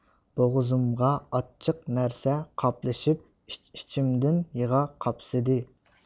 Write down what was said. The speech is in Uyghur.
بوغۇزۇمغا ئاچچىق نەرسە قاپلىشىپ ئىچ ئىچىمدىن يىغا قاپسىدى